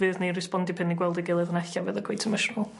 fydd ni respondio pry' ni gweld ei gilyd on' e'lla fydd o cweit emosiynol.